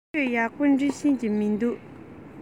ཁོས ཡག པོ འབྲི ཤེས ཀྱི མིན འདུག